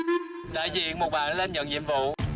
đại diện một bạn nên nhận nhiệm